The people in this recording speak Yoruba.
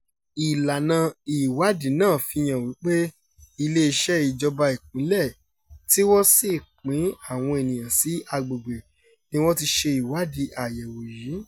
Ìlànà ìwádìí náà fi hàn wípé "iléeṣẹ́ ìjọba Ìpínlẹ̀ tí wọ́n sì pín àwọn ènìyàn sí agbègbè" ni wọ́n ti ṣe ìwádìí àyẹ̀wò yìí.